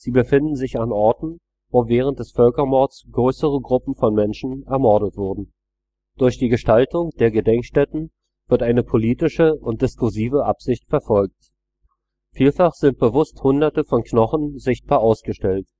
befinden sich an Orten, wo während des Völkermords größere Gruppen von Menschen ermordet wurden. Durch die Gestaltung der Gedenkstätten wird eine politische und diskursive Absicht verfolgt. Vielfach sind bewusst Hunderte von Knochen sichtbar ausgestellt